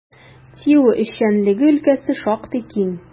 ТИҮ эшчәнлеге өлкәсе шактый киң.